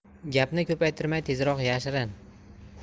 gapni ko'paytirmay tezroq yashirin